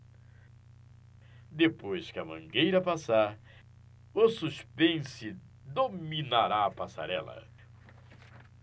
depois que a mangueira passar o suspense dominará a passarela